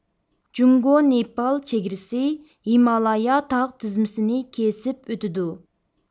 جۇڭگو نېپال چېگرىسى ھىمالايا تاغ تىزمىسىنى كېسىپ ئۆتىدۇ